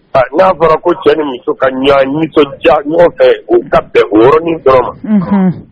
A n y'a fɔra ko cɛ ni muso ka ɲ nisɔndiya fɛ o ka bɛn wɔɔrɔnɔni dɔrɔn ma